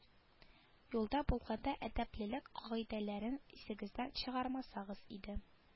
Юлда булганда әдәплелек кагыйдәләрен исегездән чыгармасагыз иде